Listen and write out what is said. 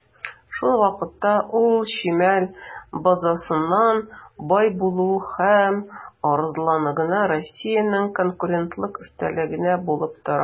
Шул ук вакытта, чимал базасының бай булуы һәм арзанлыгы Россиянең конкурентлык өстенлеге булып тора.